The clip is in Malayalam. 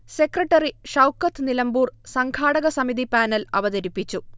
സെക്രട്ടറി ഷൗക്കത്ത് നിലമ്പൂർ സംഘാടക സമിതി പാനൽ അവതരിപ്പിച്ചു